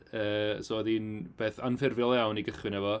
Yy so oedd hi'n beth anffurfiol iawn i gychwyn efo.